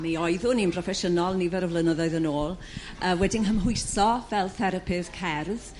mi oeddwn i'n broffesiynol nifer o flynyddoedd yn ôl yrr wedi'n nghymhwyso fel therapydd cerdd.